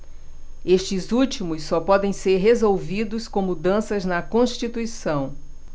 estes últimos só podem ser resolvidos com mudanças na constituição